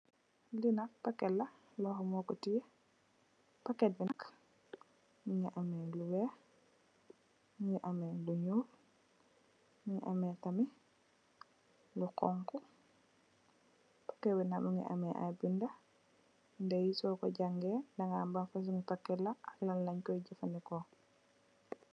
Li nak pakèt la loho mu ko tè. Pakèt bi nak mungi ameh lu weeh, mungi ameh lu ñuul, mungi ameh tamit lu honku. Pakèt bi nak mungi ameh ay binda. Binda soko jàngay daga ham li ban fasung pakèt la ak lan leen koy jafadeko.